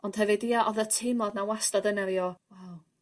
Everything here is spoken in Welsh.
Ond hefyd ia odd y teimlad 'na wastad yno fi o oh